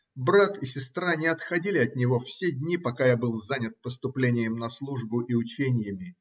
Брат в сестра не отходили от него все дни, пока я был занят поступлением на службу и ученьями.